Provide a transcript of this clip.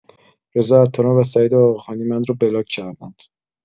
رضا عطاران و سعید آقاخانی من را بلاک کردند.